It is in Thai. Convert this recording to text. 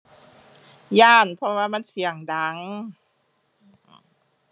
ย้าน เพราะว่ามันเสียงดัง